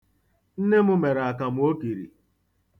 Nne m mere akamụ okiri.